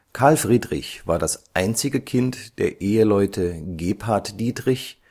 Carl Friedrich war das einzige Kind der Eheleute Gebhard Dietrich